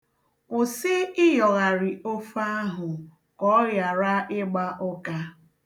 Kwụsi ịyọghari ofe ahụ ka ọ ghara ịgba ụkạ